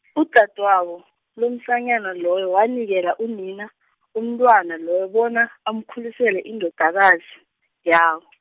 udadwabo, lomsanyana loyo wanikela unina, umntwana loyo bona, amkhulisele indodakazi, yabo .